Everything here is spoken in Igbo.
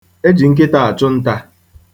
E ji nkịta achụ nta.